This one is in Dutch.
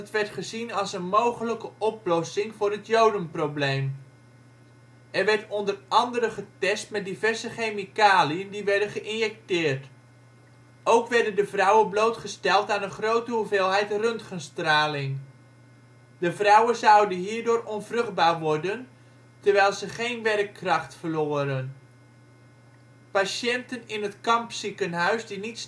werd gezien als een mogelijke oplossing voor het " Jodenprobleem ". Er werd onder andere getest met diverse chemicaliën die werden geïnjecteerd. Ook werden de vrouwen blootgesteld aan een grote hoeveelheid röntgenstraling. De vrouwen zouden hierdoor onvruchtbaar worden, terwijl ze geen werkkracht verloren. Patiënten in het kampziekenhuis die niet